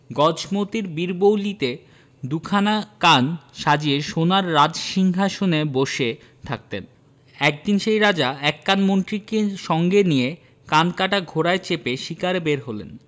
গজমোতির বীরবৌলিতে দুখানা কান সাজিয়ে সোনার রাজসিংহাসনে বসে থাকতেন একদিন সেই রাজা এক কান মন্ত্রীকে সঙ্গে নিয়ে কানকাটা ঘোড়ায় চেপে শিকারে বের হলেন